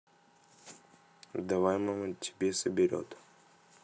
давай мама тебе соберет